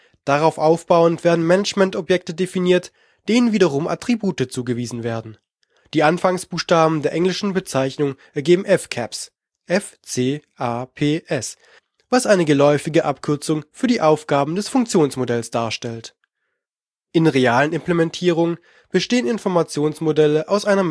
Darauf aufbauend werden Managementobjekte definiert, denen wiederum Attribute zugewiesen werden. Die Anfangsbuchstaben der englischen Bezeichnungen ergeben FCAPS, was eine geläufige Abkürzung für die Aufgaben des Funktionsmodells darstellt. In realen Implementierungen bestehen Informationsmodelle aus einer